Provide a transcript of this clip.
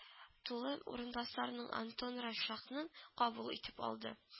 Тулы урынбасарының антон рашшахның кабул итеп алды